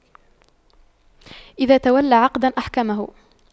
إذا تولى عقداً أحكمه